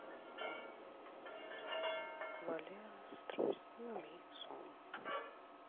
валера с страусиным яйцом